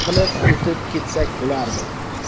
qilib o'tib ketsak bo'ladi